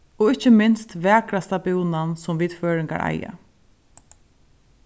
og ikki minst vakrasta búnan sum vit føroyingar eiga